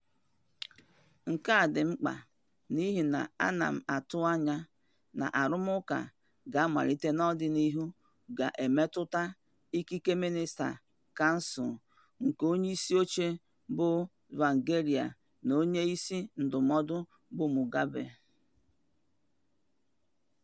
Nke a dị mkpa n'ịhị na a na m na-atụ anya na arụmụụka ga-amalite n'ọdịnihu ga-emetụta ikike mịnịsta kansụl, nke onyeisi oche ya bụ Tsvangirai, na onyeisi ndụmọdụ bụ Mugabe.